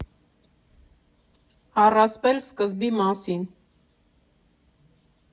Առասպել սկզբի մասին։